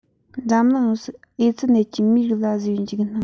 འཛམ གླིང ཡོངས སུ ཨེ ཙི ནད ཀྱིས མིའི རིགས ལ བཟོས པའི འཇིགས སྣང